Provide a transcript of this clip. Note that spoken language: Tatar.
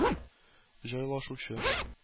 Җайлашучы